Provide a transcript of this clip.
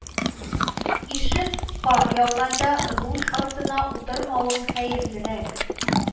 Ишеп кар яуганда руль артына утырмавың хәерлерәк